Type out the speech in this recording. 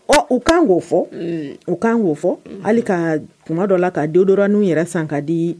Ɔ u kan k'o fɔ u kan k'o fɔ hali tuma dɔw la ka déodorant n'u yɛrɛ san ka di